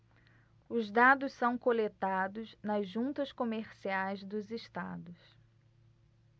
os dados são coletados nas juntas comerciais dos estados